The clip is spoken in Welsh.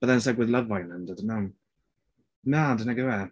But then it's like with Love Island I don't know. Mad nac yw e?